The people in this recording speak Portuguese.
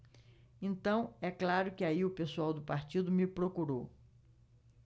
então é claro que aí o pessoal do partido me procurou